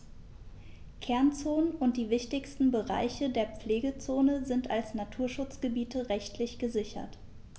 Kernzonen und die wichtigsten Bereiche der Pflegezone sind als Naturschutzgebiete rechtlich gesichert.